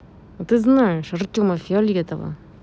а ты знаешь артема фиолетово